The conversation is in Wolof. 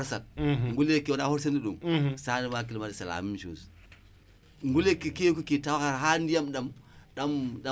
changement climatique c' est la même chose